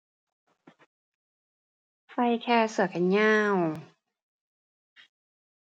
ใส่แค่เสื้อแขนยาว